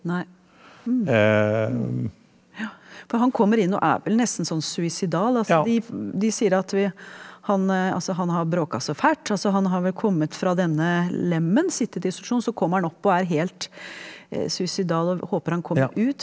nei ja for han kommer inn og er vel nesten sånn suicidal, altså de de sier at vi han altså han har bråka så fælt, altså han har vel kommet fra denne Lemmen sittet i institusjon så kommer han opp og er helt suicidal og håper han kommer ut.